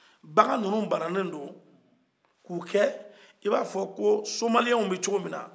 bagan ninnu bannanen do k'u kɛ i b'a fɔ ko somaliyɛnw bɛ cogo min na